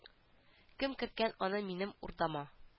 Кем керткән аны минем урдама